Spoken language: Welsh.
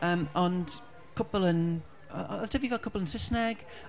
Yym, ond cwpl yn... o- oedd 'da fi fel cwpl yn Saesneg...